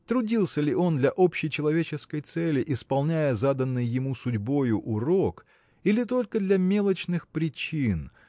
Трудился ли он для общей человеческой цели исполняя заданный ему судьбою урок или только для мелочных причин